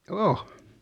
on